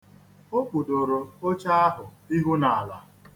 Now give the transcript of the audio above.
O kpudoro oche ahụ ihu n'ala.